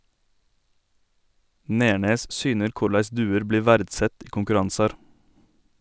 Nernes syner korleis duer blir verdsett i konkurransar.